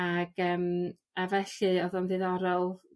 Ag yym a felly o'd o'n diddorol